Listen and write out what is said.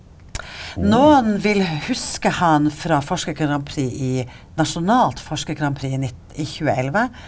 noen vil huske han fra forsker grand prix i nasjonalt forsker grand prix i i tjueelleve.